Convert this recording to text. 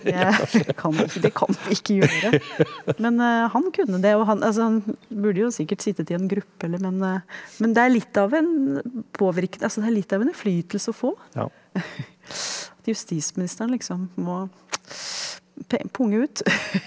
jeg kan det kan vi ikke gjøre men han kunne det og han altså han burde jo sikkert sittet i en gruppe eller men men det er litt av en altså det er litt av en innflytelse å få at justisministeren liksom må punge ut .